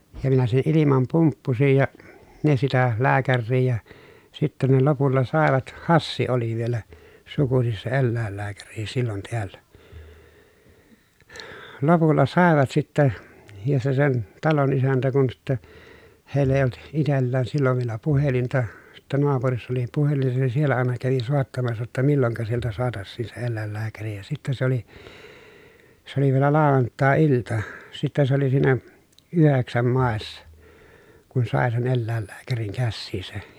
ja minä sen ilman pumppusin ja ne sitä lääkäriä ja sitten ne lopulla saivat Hassi oli vielä sukuisin se eläinlääkäri silloin täällä lopulla saivat sitten ja se sen talon isäntä kun sitten heillä ei ollut itsellään silloin vielä puhelinta sitten naapurissa oli puhelin se siellä aina kävi soittamassa jotta milloinka sieltä saataisiin se eläinlääkäri ja sitten se oli se oli vielä lauantai-ilta sitten se oli siinä yhdeksän maissa kun sai sen eläinlääkärin käsiinsä